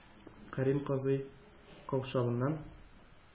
Кәрим казый каушавыннан